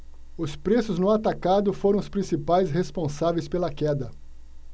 os preços no atacado foram os principais responsáveis pela queda